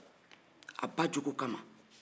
a ba cogo kama